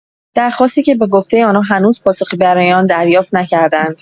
درخواستی که به گفته آن‌ها هنوز پاسخی برای آن دریافت نکرده‌اند.